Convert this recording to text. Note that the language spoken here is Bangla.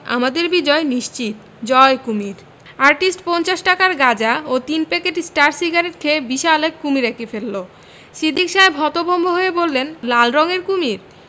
আমাদের বিজয় নিশ্চিত জয় কুমীর আর্টিস্ট পঞ্চাশ টাকার গাঁজা এবং তিন প্যাকেট স্টার সিগারেট খেয়ে বিশাল এক কুমীর এঁকে ফেলল সিদ্দিক সাহেব হতভম্ব হয়ে বললেন লাল রঙের কুমীর